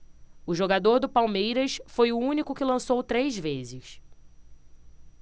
o jogador do palmeiras foi o único que lançou três vezes